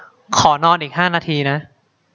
ขอนอนอีกห้านาทีนะ